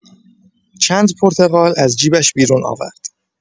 چند پرتقال از جیبش بیرون آورد.